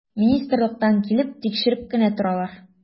Министрлыктан килеп тикшереп кенә торалар.